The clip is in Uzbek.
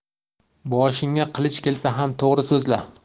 boshingga qilich kelsa ham to'g'ri so'zla